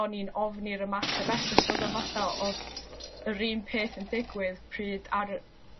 o'n i'n ofni'r ymateb eto so oddo fatha oedd yr un peth yn digwydd pryd ar y